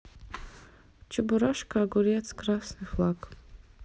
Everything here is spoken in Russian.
чебурашка огурец красный флаг